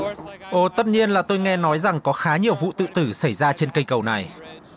ô tất nhiên là tôi nghe nói rằng có khá nhiều vụ tự tử xảy ra trên cây cầu này